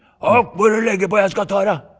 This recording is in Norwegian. å må du legge på jeg skal ta deg.